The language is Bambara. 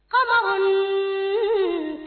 Kabakari